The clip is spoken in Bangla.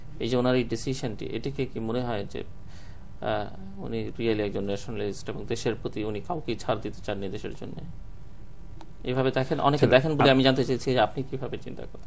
এই যে ওনার এ ডিসিশন টি এটিকে কি মনে হয় যে উনি রিয়েলি একজন ন্যাশনালিস্ট এবং দেশের প্রতি উনি কাউকেই ছাড় দিতে চাননি দেশের জন্য এভাবে দেখেন অনেকে দেখেন বলে আমি জানতে চেয়েছি যে আপনি কি ভাবে চিন্তা করেন